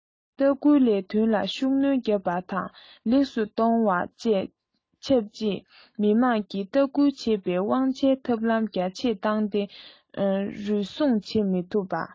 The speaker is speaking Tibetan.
ལྟ སྐུལ ལས དོན ལ ཤུགས སྣོན རྒྱག པ དང ལེགས སུ གཏོང བ དང ཆབས ཅིག མི དམངས ཀྱིས ལྟ སྐུལ བྱེད པའི དབང ཆའི ཐབས ལམ རྒྱ ཆེར བཏང སྟེ རུལ སུངས བྱེད མི ཐུབ པ